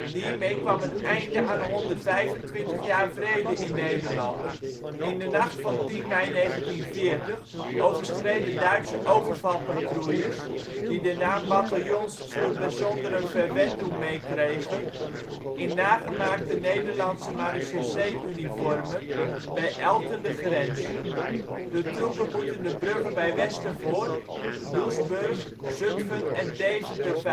Hiermee kwam een einde aan 125 jaar vrede in Nederland. In de nacht van 10 mei 1940 overschreden Duitse overvalpatrouilles, die de naam ' Batallions zur besonderen Verwendung ' meekregen, in nagemaakte Nederlandse Marechaussee-uniformen bij Elten de grens. De troepen moeten de bruggen bij Westervoort, Doesburg, Zutphen en Deventer veiligstellen